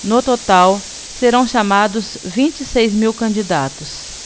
no total serão chamados vinte e seis mil candidatos